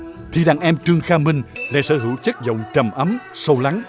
thì đàn em trương khang minh lại sở hữu chất giọng trầm ấm sâu lắng